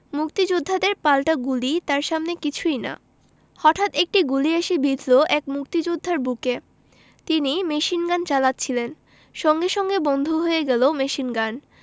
মুক্তিযোদ্ধাদের পাল্টা গুলি তার সামনে কিছুই না হতাৎ একটা গুলি এসে বিঁধল এক মুক্তিযোদ্ধার বুকে তিনি মেশিনগান চালাচ্ছিলেন সঙ্গে সঙ্গে বন্ধ হয়ে গেল মেশিনগান